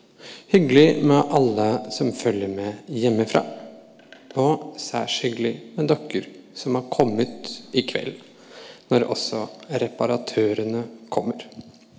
hyggelig med alle som følger med hjemmefra, og særs hyggelig med dere som har kommet i kveld, når også reperatørene kommer.